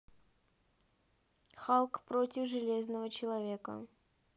халк против железного человека